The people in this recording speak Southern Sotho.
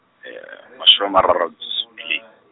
mashome a mararo -tso pe.